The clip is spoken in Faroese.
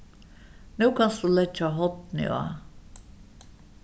nú kanst tú leggja hornið á